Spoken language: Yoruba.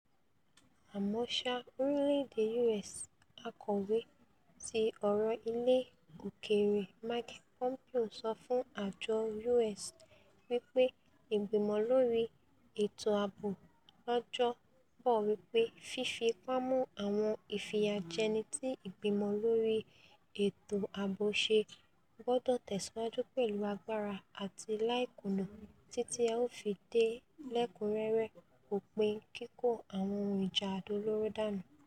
Àmọ́ sá, orílẹ̀-èdè U.S Akọ̀wé ti Ọ̀rọ̀ Ilẹ̀ Òkèèrè Mike Pompeo sọ fún àjọ UN wí pé Ìgbìmọ lórí Ètò Ààbo lọ́jọ́ 'Bọ̀ wí pé: ''Fífi ipá mú àwọn ìfìyàjẹni ti Ìgbìmọ lórí Ètò Ààbo ṣẹ gbọdọ̀ tẹ̀síwájú pẹ̀lú agbára àti láìkùnà títí a ó fi dé lẹ́ẹ̀kúnrẹ́rẹ́, òpin, kíkó àwọn ohun ìjà àdó olóró dànù.